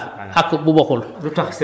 voilà ak bu bokkul